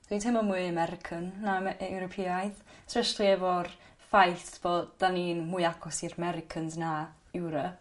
Fi'n teimlo mwy Aamerican na my- yy E- Ewropeaidd. Jyst efo'r ffaith bo' 'dan ni'n mwy agos i'r 'Mericans na Ewrop.